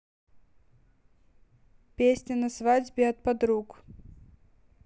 песня на свадьбе от подруги